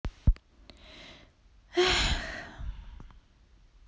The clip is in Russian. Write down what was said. эх